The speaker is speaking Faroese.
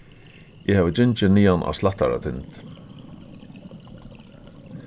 eg havi gingið niðan á slættaratind